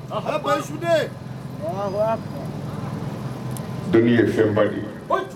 A ha su dɔnku ye fɛn ba de ye